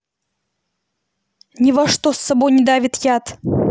ни во что с собой не давит яд